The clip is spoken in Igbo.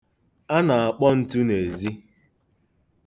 A na-akpọ ntu n'ezi.